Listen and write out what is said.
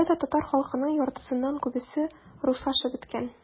Болай да татар халкының яртысыннан күбесе - руслашып беткән.